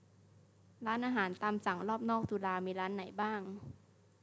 ร้านอาหารตามสั่งรอบนอกจุฬามีร้านไหนบ้าง